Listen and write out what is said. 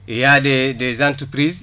y' a des des entreprises